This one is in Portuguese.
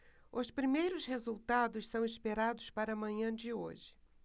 os primeiros resultados são esperados para a manhã de hoje